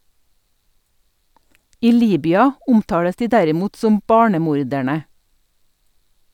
I Libya omtales de derimot som «barnemorderne».